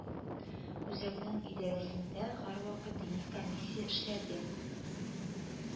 Үзәкнең идарәсендә һәрвакыт дини комиссия эшләде